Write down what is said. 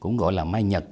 cũng gọi là mai nhật